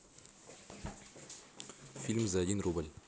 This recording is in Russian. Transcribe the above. фильм за один рубль